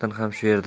xotin ham shu yerda